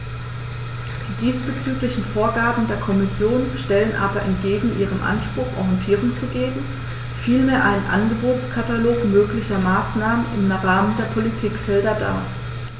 Die diesbezüglichen Vorgaben der Kommission stellen aber entgegen ihrem Anspruch, Orientierung zu geben, vielmehr einen Angebotskatalog möglicher Maßnahmen im Rahmen der Politikfelder dar.